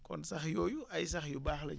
kon sax yooyu ay sax yu baax lañu